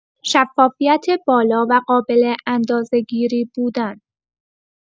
شفافیت بالا و قابل اندازه‌گیری بودن